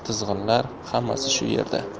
tizginlar xammasi shu yerda